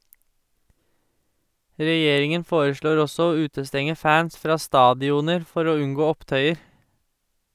Regjeringen foreslår også å utestenge fans fra stadioner for å unngå opptøyer.